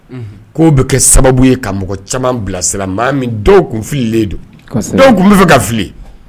Ko bɛ kɛ sababu ye ka mɔgɔ caman bilasira maa min dɔw tun fili don dɔw tun bɛ fɛ ka fili